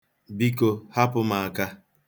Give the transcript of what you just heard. Biko, hapụ m aka.